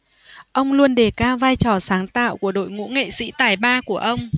ông luôn đề cao vai trò sáng tạo của đội ngũ nghệ sĩ tài ba của ông